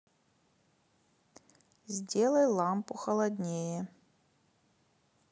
сделай лампу холоднее